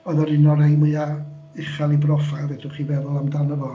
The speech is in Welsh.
Oedd o yr un o'r rhai mwya uchel ei broffil fedrwch chi'n feddwl amdano fo.